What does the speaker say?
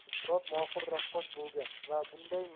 suqrot mohir raqqos bo'lgan va bunday